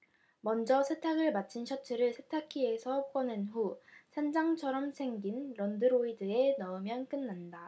먼저 세탁을 마친 셔츠를 세탁기에서 꺼낸 후 찬장처럼 생긴 런드로이드에 넣으면 끝난다